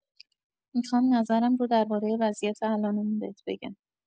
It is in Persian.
می‌خوام نظرم رو درباره وضعیت الانمون بهت بگم.